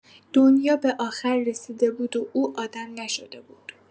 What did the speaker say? دنیا به آخر رسیده بود و او آدم نشده بود!